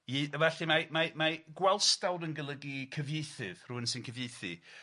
I... Felly, mae mae mae Gwalstawd yn golygu cyfieithydd, rhywun sy'n cyfieithu.